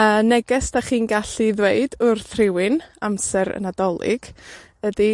A neges 'dach chi'n gallu ddweud wrth rywun amser Nadolig, ydi